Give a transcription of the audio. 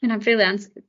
ma' hynna'n Brilliant.